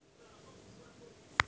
какова формула площади круга